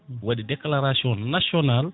waɗi déclaration national